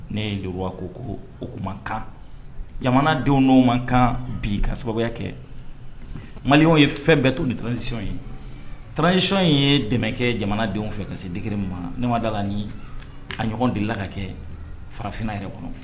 Ne ko ko o kumakan jamanadenw n' man kan bi ka sababu kɛ mali ye fɛn bɛɛ to ni tran nisisɔn ye transisiɔn ye dɛmɛ kɛ jamanadenw fɛ ka se digi ma nemadala ni a ɲɔgɔn dela ka kɛ farafinna yɛrɛ kɔnɔ